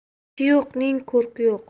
ishi yo'qning ko'rki yo'q